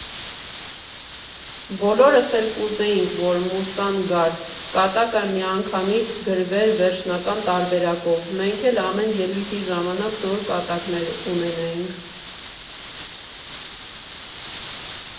Բոլորս էլ կուզեինք, որ մուսան գար, կատակը միանգամից գրվեր վերջնական տարբերակով, մենք էլ ամեն ելույթի ժամանակ նոր կատակներ ունենայինք։